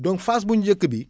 donc phase bu njëkk bi